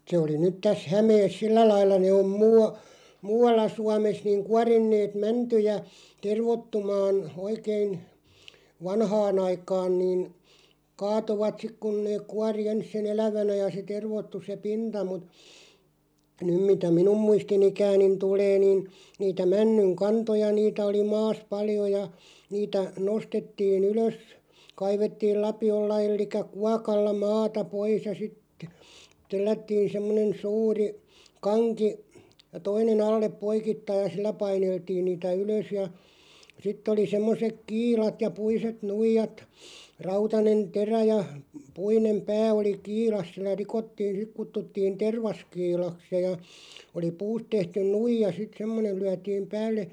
se oli nyt tässä Hämeessä sillä lailla ne on - muualla Suomessa niin kuorineet mäntyjä tervoittumaan oikein vanhaan aikaan niin kaatoivat sitten kun ne kuori ensin sen elävänä ja se tervoittui se pinta mutta nyt mitä minun muistinikääni tulee niin niitä männyn kantoja niitä oli maassa paljon ja niitä nostettiin ylös kaivettiin lapiolla eli kuokalla maata pois ja sitten tellättiin semmoinen suuri kanki toinen alle poikittain ja sillä paineltiin niitä ylös ja sitten oli semmoiset kiilat ja puiset nuijat rautainen terä ja puinen pää oli kiilassa sillä rikottiin sitten kutsuttiin tervaskiilaksi ja ja oli puusta tehty nuija sitten semmoinen lyötiin päälle